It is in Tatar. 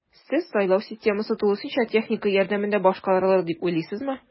Сез сайлау системасы тулысынча техника ярдәмендә башкарарылыр дип уйлыйсызмы?